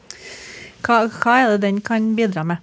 hva hva er det den kan bidra med?